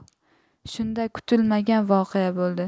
shunda kutilmagan voqea bo'ldi